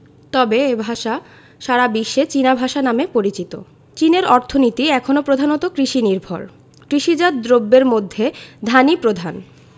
তবে এ ভাষা সারা বিশ্বে চীনা ভাষা নামে পরিচিত চীনের অর্থনীতি এখনো প্রধানত কৃষিনির্ভর কৃষিজাত দ্রব্যের মধ্যে ধানই প্রধান